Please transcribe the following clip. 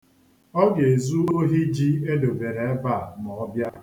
Ọ ga-ezu ohi ji edobere ebe a ma ọ bịa.